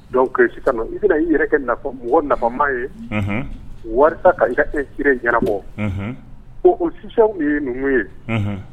Dɔnku sisan i bɛna i yɛrɛ kɛ mɔgɔ nafama ye wari ka e sira ɲɛnabɔ o siw ye numu ye